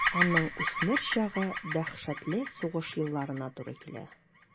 Аның үсмер чагы дәһшәтле сугыш елларына туры килә.